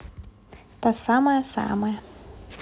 та самая самая